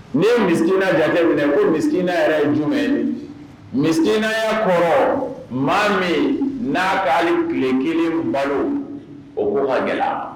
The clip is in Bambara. N'i ye misiina ja minɛ ko misiina yɛrɛ ye jumɛn misiinaya kɔrɔ maa min n'a kaale tile kelen balo o woro gɛlɛ